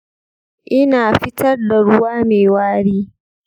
ina fitar da ruwa mai wari